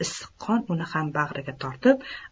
issiq qon uni ham bag'riga tortib